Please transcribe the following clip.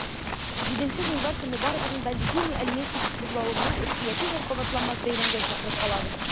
7 гыйнвар көнне барыгызны да "любимыйальметьевск" бозлавыгына әкияти һәм кабатланмас бәйрәмгә чакырып калабыз!